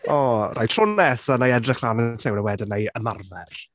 Oh, right, tro nesa, wna i edrych lan y tiwn a wedyn wna i ymarfer.